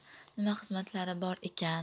nima xizmatlari bor ekan